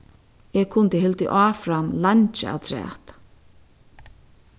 eg kundi hildið áfram leingi afturat